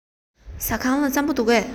ཟ ཁང ལ རྩམ པ འདུག གས